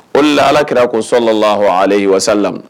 O la alakira kosɔ la lahɔn aleale ye walasawasa lam